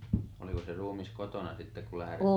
oliko se ruumis kotona sitten kun -